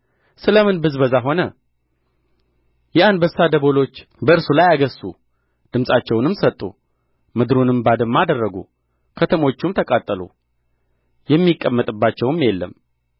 ስለምን ብዝበዛ ሆነ የአንበሳ ደቦሎች በእርሱ ላይ አገሡ ድምፃቸውንም ሰጡ ምድሩንም ባድማ አደረጉ ከተሞቹም ተቃጠሉ የሚቀመጥባቸውም የለም